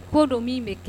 Ko don min bɛ kɛ